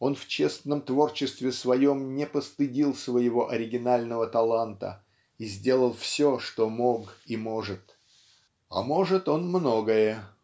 он в честном творчестве своем не постыдил своего оригинального таланта и сделал все что мог и может. А может он многое.